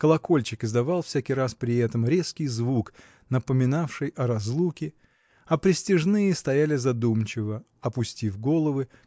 Колокольчик издавал всякий раз при этом резкий звук напоминавший о разлуке а пристяжные стояли задумчиво опустив головы